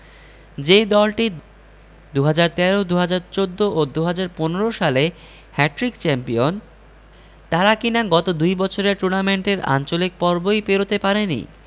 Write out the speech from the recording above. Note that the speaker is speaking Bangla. যে দলটি ২০১৩ ২০১৪ ও ২০১৫ সালে হ্যাটট্রিক চ্যাম্পিয়ন তারা কিনা গত দুই বছরে টুর্নামেন্টের আঞ্চলিক পর্বই পেরোতে পারেনি